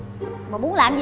bà muốn làm